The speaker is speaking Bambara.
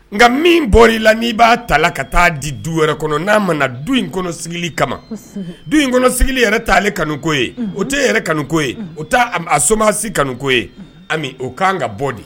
Nka min bɔr'i la n'i b'a tala ka ta'a bila du wɛrɛ kɔnɔ n'a ma na du in kɔnɔ sigili kama, kosɛbɛ, du in kɔnɔ sigi yɛrɛ t'ale kanuko ye, unhun o tɛ e yɛrɛ kanuko ye, unhun, o t'a somaa si kanuko ye, unhun, Ami o kan ka bɔ de